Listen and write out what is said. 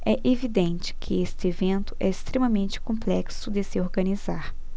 é evidente que este evento é extremamente complexo de se organizar